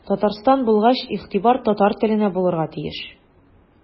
Татарстан булгач игътибар татар теленә булырга тиеш.